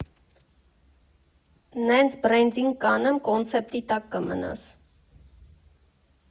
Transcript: Նենց բրենդինգ կանեմ, կոնցեպտի տակ կմնաս։